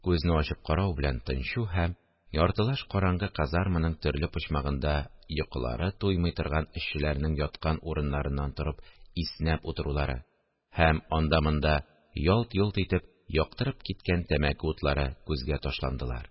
Күзне ачып карау белән тынчу һәм яртылаш караңгы казарманың төрле почмагында йокылары туймый торган эшчеләрнең яткан урыннарыннан торып иснәп утырулары һәм анда-монда ялт-йолт итеп яктырып киткән тәмәке утлары күзгә ташландылар